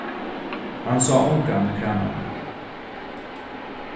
hann sá ongan í kamarinum